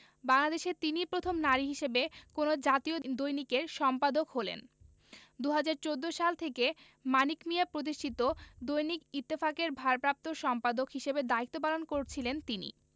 বাংলাদেশে তিনিই প্রথম নারী হিসেবে কোনো জাতীয় দৈনিকের সম্পাদক হলেন ২০১৪ সাল থেকে মানিক মিঞা প্রতিষ্ঠিত দৈনিক ইত্তেফাকের ভারপ্রাপ্ত সম্পাদক হিসেবে দায়িত্ব পালন করছিলেন তিনি